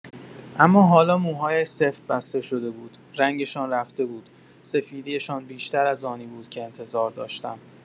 اما حالا موهایش سفت بسته شده بود، رنگشان رفته بود، سفیدی‌شان بیشتر از آنی بود که انتظار داشتم.